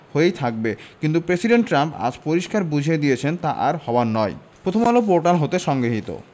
হয়েই থাকবে কিন্তু প্রেসিডেন্ট ট্রাম্প আজ পরিষ্কার বুঝিয়ে দিয়েছেন তা আর হওয়ার নয় প্রথমআলো পোর্টাল হতে সংগৃহীত